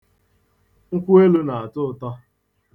Nkwụelu na-atọ ụtọ.